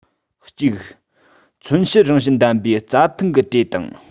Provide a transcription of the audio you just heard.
གཅིག མཚོན བྱེད རང བཞིན ལྡན པའི རྩྭ ཐང གི གྲས དང